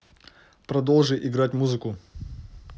продолжи играть музыку